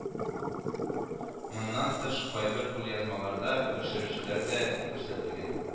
Моннан тыш, кайбер кулъязмаларда күчерүчеләре дә күрсәтелгән